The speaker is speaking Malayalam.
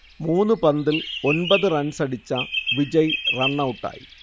മൂന്നു പന്തിൽ ഒൻപത് റൺസടിച്ച വിജയ് റൺഔട്ടായി